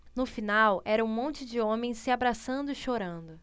no final era um monte de homens se abraçando e chorando